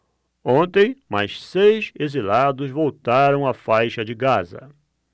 ontem mais seis exilados voltaram à faixa de gaza